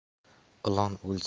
ilon o'lsa ham